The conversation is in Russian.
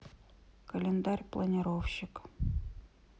календарь планировщик